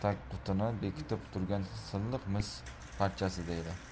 tagqutini bekitib turgan silliq mis parchasida edi